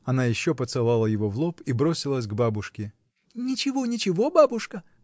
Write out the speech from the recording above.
Она еще поцеловала его в лоб и бросилась к бабушке. — Ничего, ничего, бабушка!